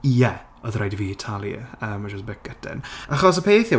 Ie oedd rhaid i fi talu yy which was a bit gutting achos y peth yw...